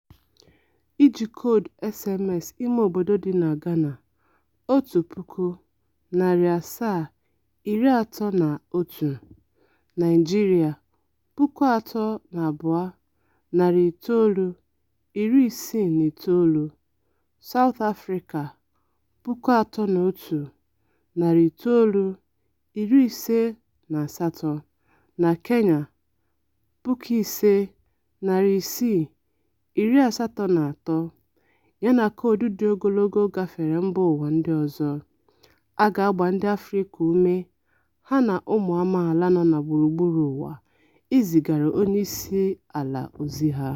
Iji koodu SMS imeobodo dị na Ghana (1731), Nigeria (32969), South Africa (31958) na Kenya (5683), yana koodu dị ogologo gafere mbaụwa ndị ọzọ*, a ga-agba ndị Afrịka ume ha na ụmụ amaala nọ na gburugburu ụwa ị zịgara onyeisiala ozi ha.